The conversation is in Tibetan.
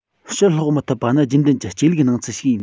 ཕྱིར བསློགས མི ཐུབ པ ནི རྒྱུན ལྡན གྱི སྐྱེ ལུགས སྣང ཚུལ ཞིག ཡིན